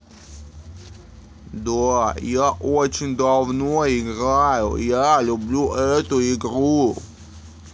да я очень давно играю я люблю эту игру